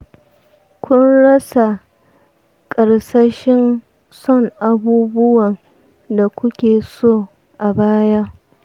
kun rasa karsashin son abubuwan da kuke so a baya